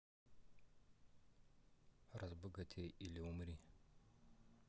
разбогатей или умри